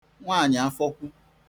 nwaànyị̀afọkwu